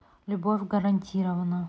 любовь гарантирована